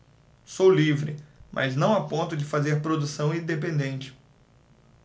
sou livre mas não a ponto de fazer produção independente